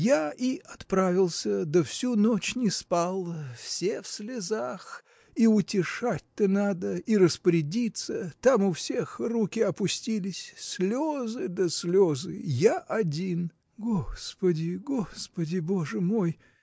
я и отправился, да всю ночь не спал. Все в слезах и утешать-то надо, и распорядиться там у всех руки опустились слезы да слезы, – я один. – Господи, господи боже мой!